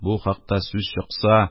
Бу хакта сүз чыкса